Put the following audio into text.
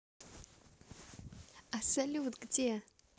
а салют где